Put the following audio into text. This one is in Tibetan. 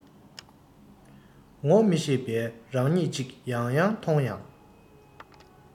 ངོ མི ཤེས པའི རང ཉིད ཅིག ཡང ཡང མཐོང ཡང